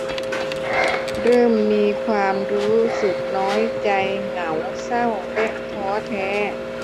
เริ่มมีความรู้สึกน้อยใจเหงาเศร้าและท้อแท้